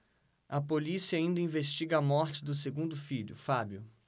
a polícia ainda investiga a morte do segundo filho fábio